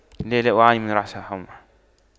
لا لا أعاني من رعشة حمى